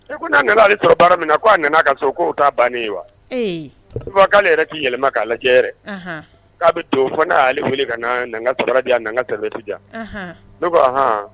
I ko'a nana haliale sɔrɔ baara min na k ko a nana ka so ko ta bannen ye wa'ale yɛrɛ k' yɛlɛma k'ajɛ yɛrɛ k'a bɛ don fo n'ale wele ka na n sirajan n sɛbɛnbɛti jan ne ko hɔn